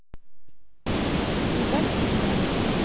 ну так всегда